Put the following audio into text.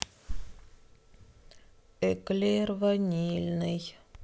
эклер ванильный